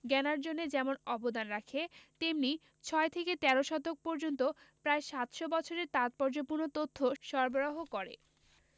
জ্ঞানার্জনে যেমন অবদান রাখে তেমনি ছয় থেকে তেরো শতক পর্যন্ত প্রায় সাতশ বছরের তাৎপর্যপূর্ণ তথ্য সরবরাহ করে